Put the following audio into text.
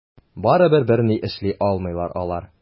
Барыбер берни эшли алмыйлар алар.